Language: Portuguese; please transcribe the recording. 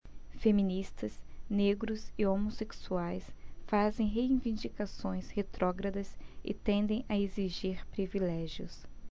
feministas negros e homossexuais fazem reivindicações retrógradas e tendem a exigir privilégios